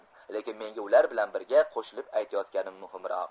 lekin menga ular bilan birga qo'shilib aytayotganim muhimroq